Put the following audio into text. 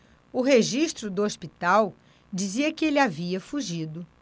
o registro do hospital dizia que ele havia fugido